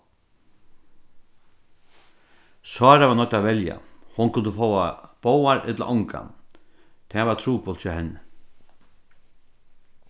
sára var noydd at velja hon kundi fáa báðar ella ongan tað var trupult hjá henni